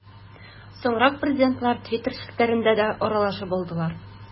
Соңрак президентлар Twitter челтәрендә дә аралашып алдылар.